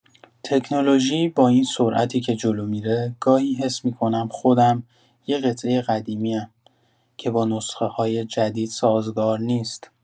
تکنولوژی با این سرعتی که جلو می‌ره، گاهی حس می‌کنم خودم یه قطعۀ قدیمی‌ام که با نسخه‌های جدید سازگار نیست.